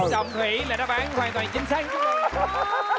trọng thủy là đáp án hoàn toàn chính xác xin chúc mừng